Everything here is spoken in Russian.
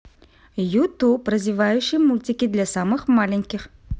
youtube развивающие мультики для самых маленьких